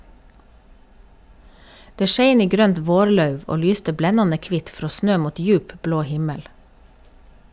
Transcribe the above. Det skein i grønt vårlauv og lyste blendande kvitt frå snø mot djup, blå himmel.